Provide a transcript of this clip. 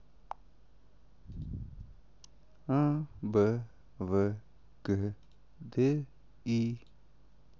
а б в г д и